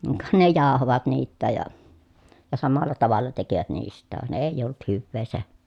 ka ne jauhoivat niitäkin ja ja samalla tavalla tekivät niistäkin vaan ei ollut hyvää se